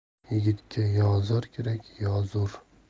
yigitga yo zar kerak yo zo'r